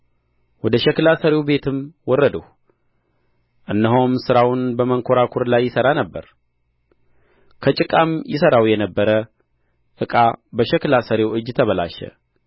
ወደ ሸክላ ሠሪው ቤትም ወረድሁ እነሆም ሥራውን በመንኰራኵር ላይ ይሠራ ነበር ከጭቃም ይሠራው የነበረ ዕቃ በሸክላ ሠሪው እጅ ተበላሸ